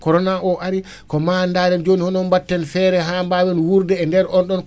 Corona